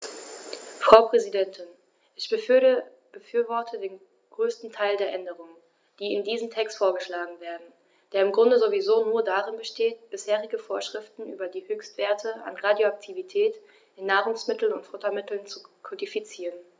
Frau Präsidentin, ich befürworte den größten Teil der Änderungen, die in diesem Text vorgeschlagen werden, der im Grunde sowieso nur darin besteht, bisherige Vorschriften über die Höchstwerte an Radioaktivität in Nahrungsmitteln und Futtermitteln zu kodifizieren.